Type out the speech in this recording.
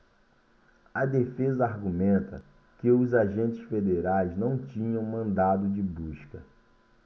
a defesa argumenta que os agentes federais não tinham mandado de busca